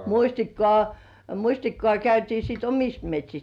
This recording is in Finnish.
mustikkaa mustikkaa käytiin sitten omista metsistä